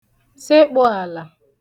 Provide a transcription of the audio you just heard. sekpù àlà